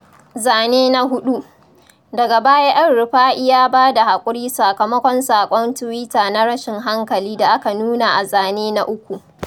Zane na 4: Daga baya El-Rufai ya ba da haƙuri sakamakon saƙon tuwita 'na rashin hankali" da aka nuna a Zane na 3.